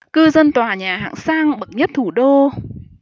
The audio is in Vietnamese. cư dân tòa nhà hạng sang bậc nhất thủ đô